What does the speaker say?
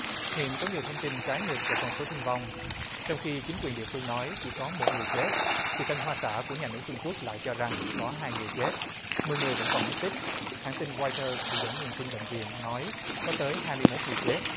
hiện có nhiều thông tin trái ngược về con số thương vong trong khi chính quyền địa phương nói chỉ có một người chết thì tân hoa xã của nhà nước trung quốc lại cho rằng có hai người chết mười người vẫn còn mất tích hãng tin roai tơ thì dẫn nguồn tin bệnh viện nói có tới hai mươi mốt người chết